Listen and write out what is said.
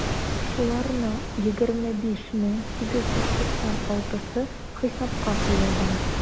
Шуларның 25 мең 896-сы хисапка куелган.